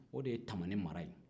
o de ye tamani mara ye